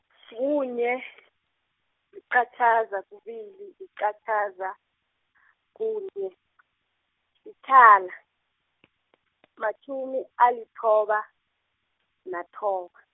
kunye , liqatjhaza, kubili, liqatjhaza, kunye, yithala , matjhumi, alithoba, nathoba.